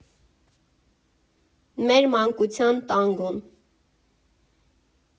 Մեր մանկության տանգոն։